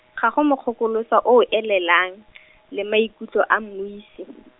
ga go mokgokolosa o o elelang , le maikutlo a mmuisi .